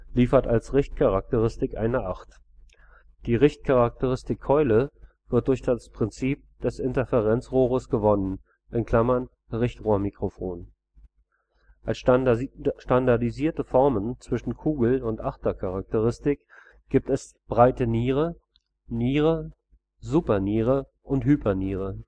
liefert als Richtcharakteristik eine Acht. Die Richtcharakteristik „ Keule “wird durch das Prinzip des Interferenzrohres gewonnen (Richtrohrmikrofon). Als standardisierte Formen zwischen Kugel - und Achtercharakteristik gibt es „ breite Niere “,„ Niere “,„ Superniere “und „ Hyperniere